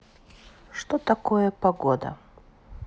что такое погода